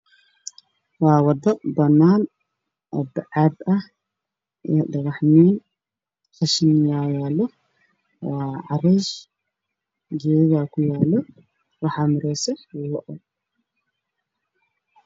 Waa wado banaan oo bacaad ah, dhagaxman iyo qashin ayaa yaalo waana cariish waxaa mareyso lo.